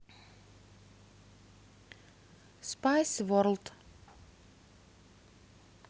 спайс ворлд